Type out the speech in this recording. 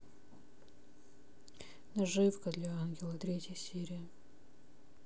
наживка для ангела третья серия